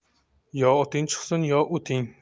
yo oting chiqsin yo o'ting